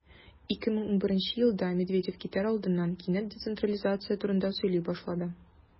2011 елда медведев китәр алдыннан кинәт децентрализация турында сөйли башлады.